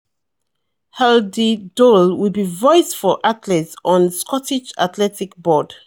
Eilidh Doyle will be "voice for athletes" on Scottish Athletics board